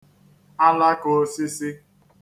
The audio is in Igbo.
alaka ōsīsī